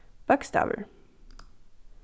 bókstavir